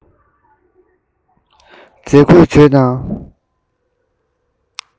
མཛེས བཀོད བྱོས དང